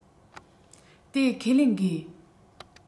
དེ ཁས ལེན དགོས